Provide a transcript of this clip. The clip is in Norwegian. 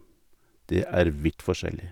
Det er vidt forskjellig.